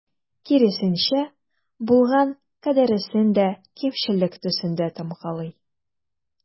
Киресенчә, булган кадәресен дә кимчелек төсендә тамгалый.